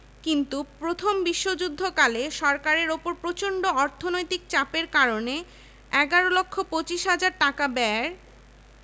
কিন্তু প্রথম বিশ্বযুদ্ধকালে সরকারের ওপর প্রচন্ড অর্থনৈতিক চাপের কারণে এগারো লক্ষ পচিশ হাজার টাকা ব্যয়ের